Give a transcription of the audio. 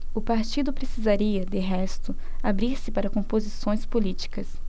o partido precisaria de resto abrir-se para composições políticas